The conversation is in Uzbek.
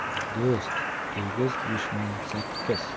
do'st egiz dushman sakkiz